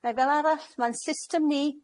Neu fel arall ma'n system ni